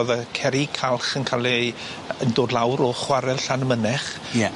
O'dd y cerrig calch yn ca'l ei yy yn dod lawr o chwarel Llanmynech. Ie.